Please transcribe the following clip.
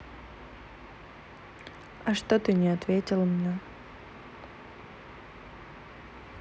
а что ты не ответил мне